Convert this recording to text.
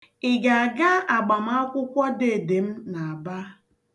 Ị ga-aga agbamaakwụkwọ deede m n'Aba?